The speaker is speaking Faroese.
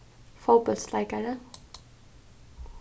fótbóltsleikari